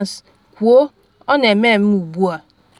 Evans: “Kwuo, ọ na-eme eme ugbu a!”